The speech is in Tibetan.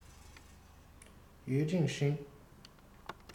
ཡུས ཀྲེང ཧྲེང